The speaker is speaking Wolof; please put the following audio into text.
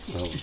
waaw